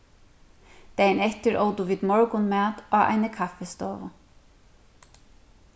dagin eftir ótu vit morgunmat á eini kaffistovu